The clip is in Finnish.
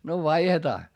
no vaihdetaan